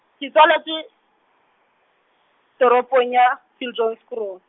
ke tswaletswe, toropong ya, Viljoenskroon.